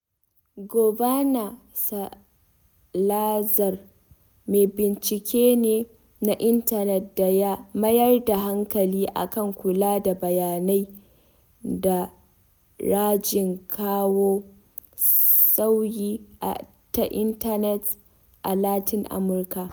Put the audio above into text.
Giovanna Salazar mai bincike ne na intanet da ya mayar da hankali a kan kula da bayanai da rajin kawo sauyi ta intanet a Latin Amurka.